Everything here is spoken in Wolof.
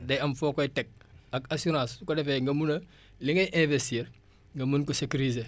day am foo koy teg ak assurance su ko defee nga mun a li ngay investir nga mun ko sécuriser